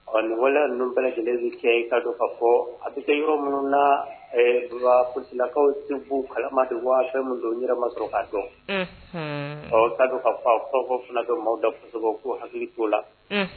Ɔ nin waleya ninnu bɛɛ lajɛlen bɛ kɛ i ka dɔn ka fɔ, a bɛ kɛ yɔrɔ minnu na tuma politique lakaw tɛ kalama de wa, fɛn min do n yɛrɛ masɔrɔ k'o dɔn, unhun, ɔ ka dɔn ka fɔ, a kumaw fana bɛ maaw da kosɛbɛ u k'u hakili t'o la, un